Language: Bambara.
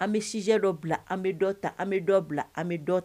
An bɛ sjɛ dɔ bila an bɛ dɔ ta an bɛ dɔ bila an bɛ dɔ ta